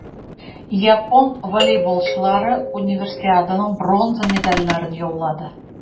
Япон волейболчылары Универсиаданың бронза медальләрен яулады.